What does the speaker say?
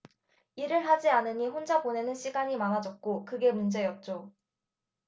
일을 하지 않으니 혼자 보내는 시간이 많아졌고 그게 문제였죠